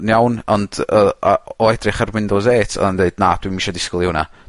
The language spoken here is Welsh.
yn iawn ond o a o edrych ar Windows eight odd o'n deud nad dwi'm isio disgwyl i wnna.